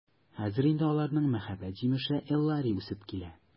Хәзер инде аларның мәхәббәт җимеше Эллари үсеп килә.